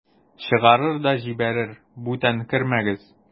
Чыгарыр да җибәрер: "Бүтән кермәгез!"